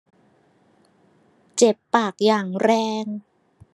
เจ็บปากอย่างแรง